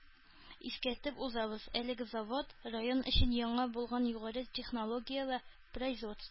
Искәртеп узабыз, әлеге завод – район өчен яңа булган югары технологияле производство